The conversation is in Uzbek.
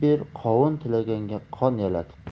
ber qovun tilaganga qon yalatib